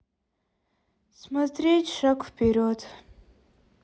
смотреть шаг вперед